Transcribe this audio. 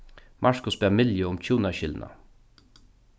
markus bað milju um hjúnaskilnað